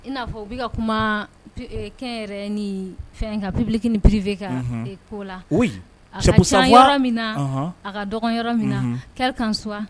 I n'a fɔ u bɛka ka kuma kɛn yɛrɛ ni fɛn ka bibiliki bife ka ko la a ka yɔrɔ min a ka dɔgɔn yɔrɔ min kɛ kan swa